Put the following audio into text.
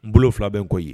N bolo fila bɛ n kɔ yen